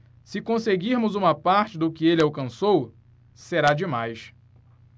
se conseguirmos uma parte do que ele alcançou será demais